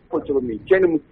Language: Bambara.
Ko cogo min cɛ ni muso